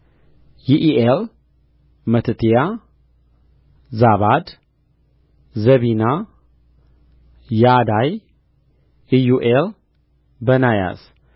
ይዔኤል መቲትያ ዛባድ ዘቢና ያዳይ ኢዮኤል በናያስ